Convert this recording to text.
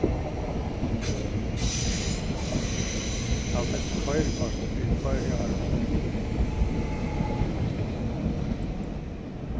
hann misti koyrikortið fyri fleiri árum síðan